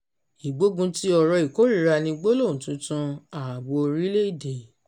Ìgbógunti ọ̀rọ̀ ìkórìíra ni gbólóhùn tuntun ààbò orílẹ̀-èdè'